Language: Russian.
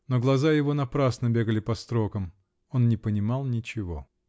Но глаза его напрасно бегали по строкам: он не понимал ничего.